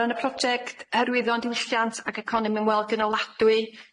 O ran y project hyrwyddo 'yn diwylliant ag economi ymweld gynaladwy,